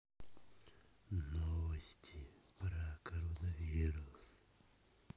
новости про короновирус